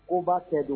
Ko baa fɛ dun